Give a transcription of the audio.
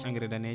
engrais danejo